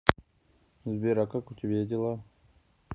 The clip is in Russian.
сбер а как у тебя дела